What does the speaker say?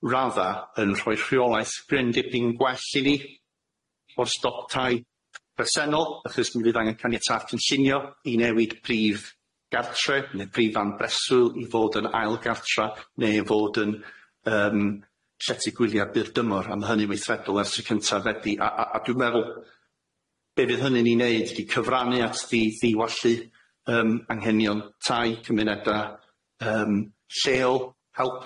radda yn rhoi rheolaeth gryn dipyn gwell i ni o'r stop tai presennol achos mi fydd angen caniatad cynllunio i newid prif gartre ne' prif fan breswyl i fod yn ail gartra ne' i fod yn yym llety gwylia byr dymor a ma' hynny'n weithredol ers y cynta o Fedi a a a dwi'n meddwl be' fydd hynny'n i neud ydi cyfrannu at ddi- ddiwallu yym anghenion tai cymuneda yym lleol.